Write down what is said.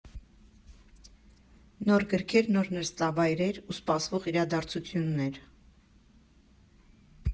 Նոր գրքեր, նոր նստավայրեր ու սպասվող իրադարձություններ։